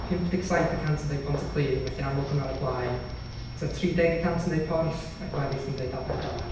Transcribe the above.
Pump deg saith y cant yn deud Pontyclun, felly yn amlwg maen nhw ar y blaen. Tua Tri deg y cant yn dweud Porth, a'r gweddill yn dweud Aberdâr.